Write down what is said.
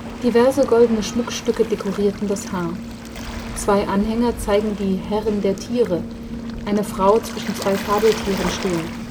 Diverse goldene Schmuckstücke dekorierten das Haar. Zwei Anhänger zeigen die Herrin der Tiere, eine Frau zwischen zwei Fabeltieren stehend